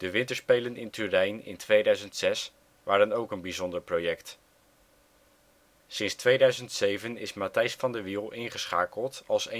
winterspelen in Turijn in 2006 waren ook een bijzonder project. Sinds 2007 is Mattijs van de Wiel ingeschakeld als